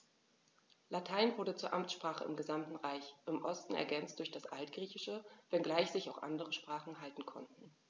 Latein wurde zur Amtssprache im gesamten Reich (im Osten ergänzt durch das Altgriechische), wenngleich sich auch andere Sprachen halten konnten.